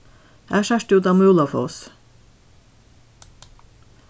har sært tú út á múlafoss